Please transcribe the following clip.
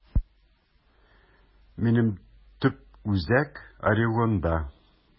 Минем төп үзәк Орегонда.